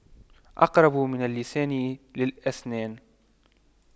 أقرب من اللسان للأسنان